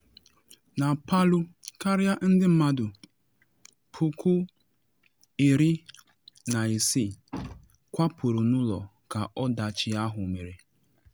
Na Palu, karịa ndị mmadụ 16,000 kwapụrụ n’ụlọ ka ọdachi ahụ mere.